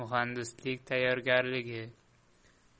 muhandislik tayyorgarligi